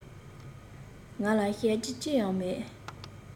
ང ལ བཤད རྒྱུ ཅི ཡང མེད